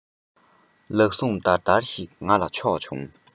ལག ཟུང ཞིག འདར འདར གྱིས ང ལ ཕྱོགས བྱུང